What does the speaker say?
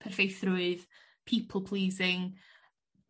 perffeithrwydd people pleasing